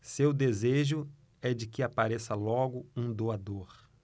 seu desejo é de que apareça logo um doador